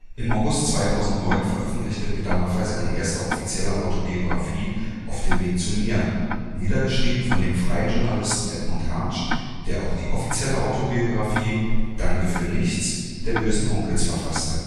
Im August 2009 veröffentlichte Peter Maffay seine erste offizielle Autobiographie Auf dem Weg zu mir, niedergeschrieben von dem freien Journalisten Edmund Hartsch, der auch die offizielle Autobiographie Danke für nichts der Böhsen Onkelz verfasste